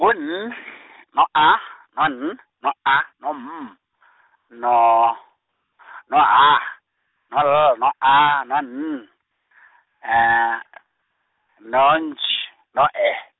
ngu N , no A, no N, no A, no M , no, no H, no L, no A, no N , no J, no E.